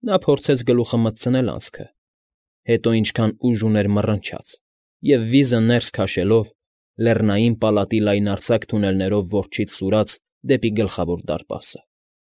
Նա փորձեց գլուխը մտցնել անցքը, հետո ինչքան ուժ ուներ մռնչաց և, վիզը ներս քաշելով, լեռնային պալատի լայնարձակ թունելներով որջից սուրաց դեպի Գլխավոր դարպասը։